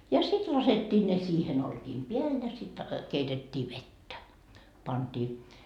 ja sitten laskettiin ne siihen olkien päälle ja sitten keitettiin vettä pantiin